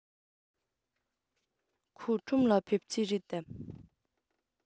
ཁོ ཁྲོམ ལ ཕེབས རྩིས རེད དམ